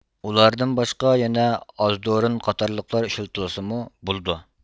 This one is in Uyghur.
ئۇلاردىن باشقا يەنە ئازودرىن قاتارلىقلار ئىشلىتىلسىمۇ بولىدۇ